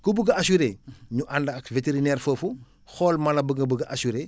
ku bugg assurer ñu ànd ak vétérinaire foofu xool mala ba nga bëgg assurer